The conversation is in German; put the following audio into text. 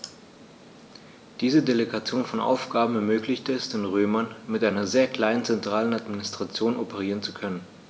Diese Delegation von Aufgaben ermöglichte es den Römern, mit einer sehr kleinen zentralen Administration operieren zu können.